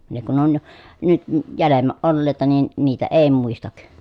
ne kun on nyt - jäljemmä olleita niin niitä ei muista